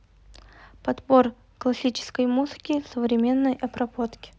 подборка классической музыки в современной обработке